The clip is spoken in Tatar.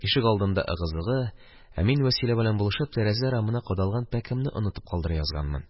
Ишегалдында ыгы-зыгы, ә мин, Вәсилә белән булышып, тәрәзә рамына кадалган пәкемне онытып калдыра язганмын